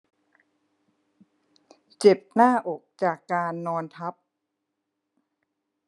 เจ็บหน้าอกจากการนอนทับ